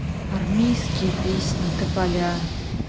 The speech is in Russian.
армейские песни тополя